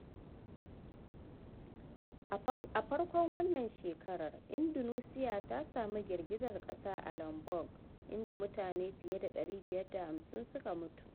A farkon wannan shekarar, Indonesia ta samu girgizar kasa a Lombok, inda mutane fiye da 550 suka mutu.